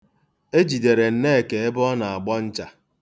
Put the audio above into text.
E jidere Nneka ebe ọ na-agbọ ncha.